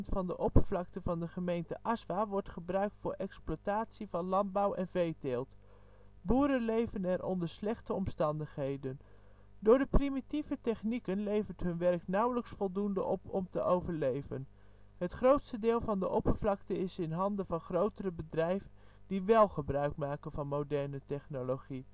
van de oppervlakte van de gemeente Azua wordt gebruikt voor exploitatie van landbouw en veeteelt. Boeren leven er onder slechte omstandigheden. Door de primitieve technieken levert hun werk nauwelijks voldoende op om te overleven. Het grootste deel van de oppervlakte is in handen van grotere bedrijven die wel gebruik maken van moderne technologie